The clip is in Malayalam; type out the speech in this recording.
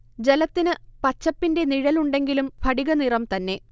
ജലത്തിന് പച്ചപ്പിന്റെ നിഴലുണ്ടെങ്കിലും സ്ഫടിക നിറം തന്നെ